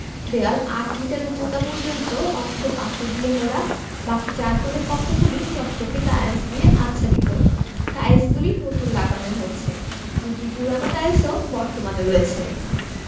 দেওয়াল আট মিটার উচ্চতা পর্যন্ত অংশ পাথর দিয়ে মোড়া বাকি চার কোণের কক্ষগুলি চকচকে টাইলস দিয়ে আচ্ছাদিত কাইসগুলি নতুন লাগানো হয়েছে দুটি পুরানো টাইলসও বর্তমান রয়েছে